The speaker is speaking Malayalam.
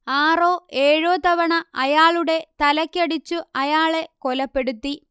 ആറോ ഏഴോ തവണ അയാളുടെ തലക്കടിച്ചു അയാളെ കൊലപ്പെടുത്തി